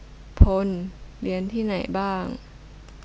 พลเรียนที่ไหนบ้าง